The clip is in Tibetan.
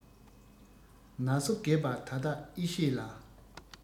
ན སོ རྒས པ ད ལྟ ཨེ ཤེས ལ